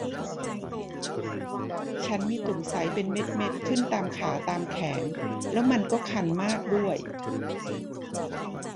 ฉันมีตุ่มใสเป็นเม็ดเม็ดขึ้นตามขาตามแขนแล้วมันก็คันมากด้วย